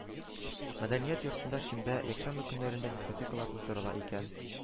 Мәдәният йортында шимбә, якшәмбе көннәрендә дискотекалар уздырыла икән